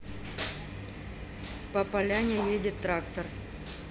по поляне едет трактор